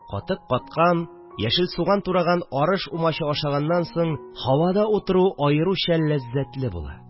Катык каткан, яшел суган тураган арыш умачы ашаганнан соң һавада утыру аеруча ләззәтле була.